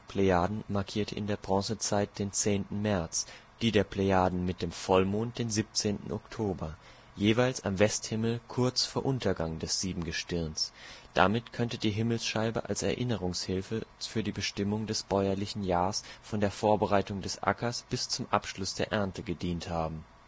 Plejaden markierte in der Bronzezeit den 10. März, die der Plejaden mit dem Vollmond den 17. Oktober, jeweils am Westhimmel kurz vor Untergang des Siebengestirns. Damit könnte die Himmelsscheibe als Erinnerungshilfe für die Bestimmung des bäuerlichen Jahrs von der Vorbereitung des Ackers bis zum Abschluss der Ernte gedient haben